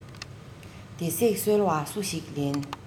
དེ བསྲེགས སོལ བ སུ ཞིག ལེན